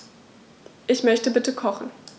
Ich möchte bitte kochen.